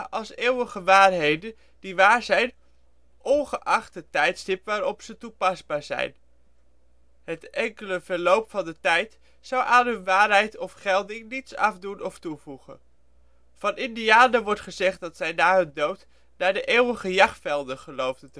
als eeuwige waarheden die waar zijn ongeacht het tijdstip waarop ze toepasbaar zijn. Het enkele verloop van de tijd zou aan hun waarheid of gelding niets afdoen of toevoegen. Van indianen wordt gezegd dat zij na hun dood naar de eeuwige jachtvelden geloofden